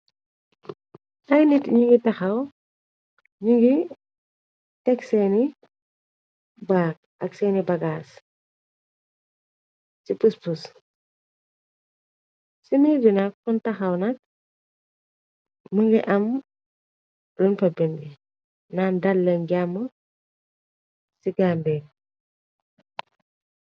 Ray nit ñi ngi taxaw ñu ngi teg seeni baag ak seeni bagaas ci pspus ci mir dina kon taxaw nak më ngi am ron fa bin bi naan dalle njamo ci gambeeg.